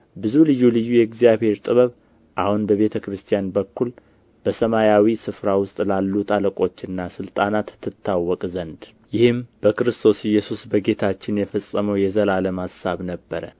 ብዙ ልዩ ልዩ የእግዚአብሔር ጥበብ አሁን በቤተ ክርስቲያን በኩል በሰማያዊ ስፍራ ውስጥ ላሉት አለቆችና ሥልጣናት ትታወቅ ዘንድ ይህም በክርስቶስ ኢየሱስ በጌታችን የፈጸመው የዘላለም አሳብ ነበረ